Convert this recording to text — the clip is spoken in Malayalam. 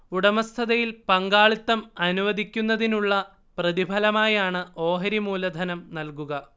ഉടമസ്ഥതയിൽ പങ്കാളിത്തം അനുവദിക്കുന്നതിനുള്ള പ്രതിഫലമായാണ് ഓഹരി മൂലധനം നൽകുക